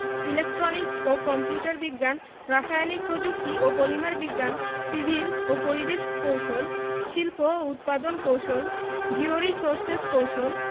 electronics ও computer বিজ্ঞান রাসায়নিক প্রযুক্তি ও পলিমার বিজ্ঞান সিভিল ও পরিবেশ কৌশল শিল্প ও উৎপাদন কৌশল জিওরির্সোসেস কৌশল